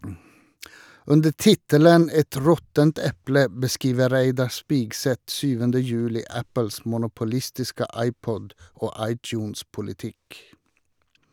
Under tittelen «Et råttent eple» beskriver Reidar Spigseth 7. juli Apples monopolistiske iPod- og iTunes-politikk.